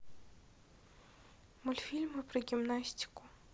мультфильмы про гимнастику